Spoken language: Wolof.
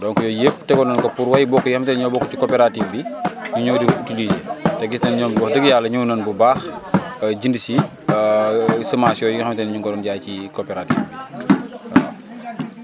donc yooyu yëpp tegoon nañu ko pour waybokk yi nga xamante ni ñoo bokk ci coopérative bi di ñëw di ko utilisé te gis nañu ñoom wax dëgg yàlla ñëw nañu bu baax jënd si semence yooyu nga xamante ni ñu ngi ko doon jaay ci coopérative bi waaw